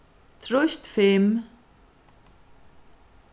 trýst fimm